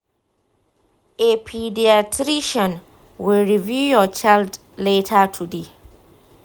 a pediatrician will review your child later today.